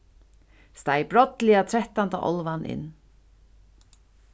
steig brádliga trettanda álvan inn